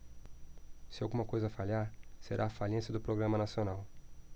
se alguma coisa falhar será a falência do programa nacional